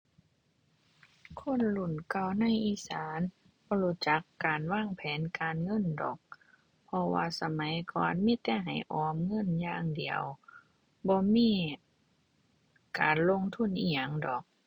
คนรุ่นเก่าในอีสานบ่รู้จักการวางแผนการเงินดอก เพราะว่าสมัยก่อนมีแต่ให้ออมเงินอย่างเดียว บ่มีการลงทุนอิหยังดอก